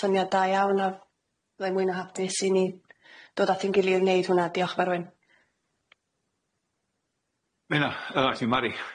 syniad da iawn a- ddai mwy na hapus i ni dod ati'n gilydd neud hwnna diolch yn fawr Berwyn. Menna na allai Mari.